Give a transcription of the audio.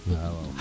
wawaw